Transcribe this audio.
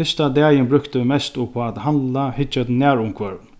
fyrsta dagin brúktu vit mest upp á at handla hyggja eftir nærumhvørvinum